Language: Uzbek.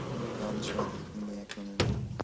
g'urur donishmandlikning yakunidir